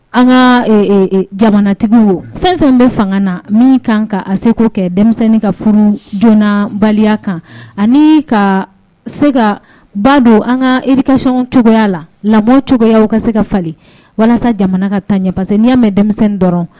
An ka jamanatigiw wo fɛn fɛn bɛ fanga na min kan ka a se'o kɛ denmisɛnninni ka furu joona baliya kan ani ka se ka ba don an ka ikasiɔn cogoya la labɔcogo cogoya u ka se ka fa walasa jamana ka ta ɲɛ pa que n'i'a mɛn denmisɛnnin dɔrɔn